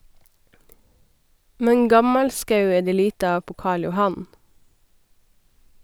- Men gammalskau er det lite av på Karl Johan?